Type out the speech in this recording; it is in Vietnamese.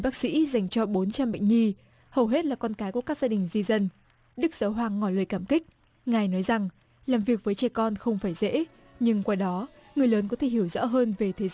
bác sĩ dành cho bốn trăm bệnh nhi hầu hết là con cái của các gia đình di dân đức giáo hoàng ngỏ lời cảm kích ngài nói rằng làm việc với trẻ con không phải dễ nhưng qua đó người lớn có thể hiểu rõ hơn về thế